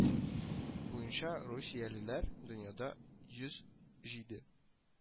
Буенча русиялеләр дөньяда йөз җиде